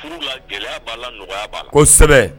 Kosɛbɛ